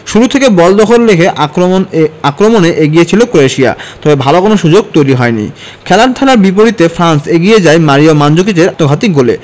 শুরু থেকে বল দখলে রেখে আক্রমণে এগিয়ে ছিল ক্রোয়েশিয়া তবে ভালো কোনো সুযোগ তৈরি হয়নি খেলার ধারার বিপরীতে ফ্রান্স এগিয়ে যায় মারিও মানজুকিচের আত্মঘাতী গোলে